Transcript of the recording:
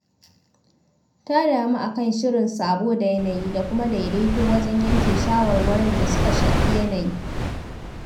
Ta damu a kan shirin sabo da yanayi da kuma daidaito wajen yanke shawarwarin da suka shafi yanayi.